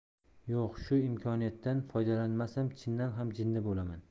yo'q shu imkoniyatdan foydalanmasam chindan ham jinni bo'laman